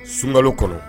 Sunka kɔnɔ